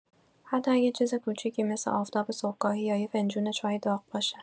حتی اگه چیز کوچیکی مثل آفتاب صبحگاهی یا یه فنجون چای داغ باشه.